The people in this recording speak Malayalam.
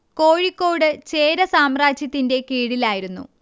കോഴിക്കോട് ചേര സാമ്രാജ്യത്തിന്റെ കീഴിലായിരുന്നു